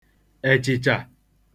èchị̀chà